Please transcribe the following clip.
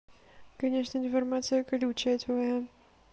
конечно информация колючая твоя